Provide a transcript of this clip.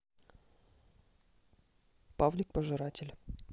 павлик пожиратель